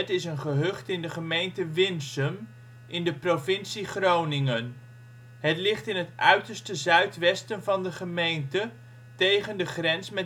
is een gehucht in de gemeente Winsum in de provincie Groningen. Het ligt in het uiterste zuidwesten van de gemeente, tegen de grens